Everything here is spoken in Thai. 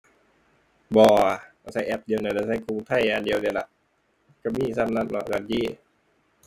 บ่ ข้อยใช้แอปเดียวนั่นล่ะ ใช้กรุงไทยอันเดียวนี่ล่ะ ใช้มีส่ำนั้นเนาะ